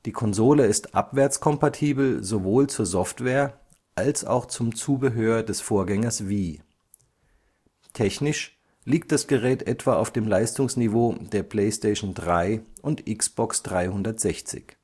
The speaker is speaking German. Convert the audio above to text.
Konsole ist abwärtskompatibel sowohl zur Software als auch zum Zubehör des Vorgängers Wii. Technisch liegt das Gerät etwa auf dem Leistungsniveau der PlayStation 3 und Xbox 360